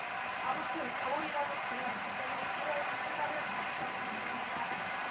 아무튼 겨울이라고 치면 이제는 일 월 한 달을 바짝 긴장해야 된다